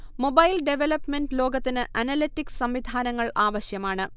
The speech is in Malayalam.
മൊബൈൽ ഡെവലപ്പ്മെന്റ് ലോകത്തിന് അനലറ്റിക്സ് സംവിധാനങ്ങൾ ആവശ്യമാണ്